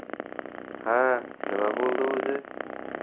ha nima bo'ldi o'zi